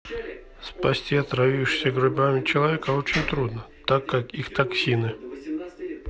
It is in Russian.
спасти отравившегося грибами человека очень трудно так как их токсины